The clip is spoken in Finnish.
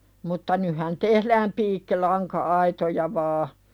mutta nythän tehdään piikkilanka-aitoja vain